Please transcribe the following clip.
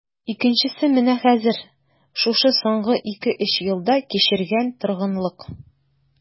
Икенчесе менә хәзер, шушы соңгы ике-өч елда кичергән торгынлык...